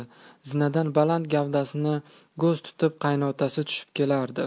zinadan baland gavdasini g'oz tutib qaynotasi tushib kelardi